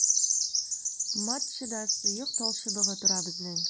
Матчада сыек талчыбыгы тора безнең.